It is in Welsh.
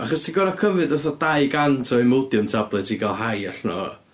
Achos ti'n gorfod cymryd fatha dau gant o Immodium tablets i gael high allan o fo.